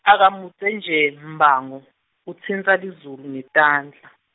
Akamudze nje, Mbango, utsintsa lizulu ngetandla.